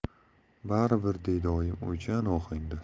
bari bir deydi oyim o'ychan ohangda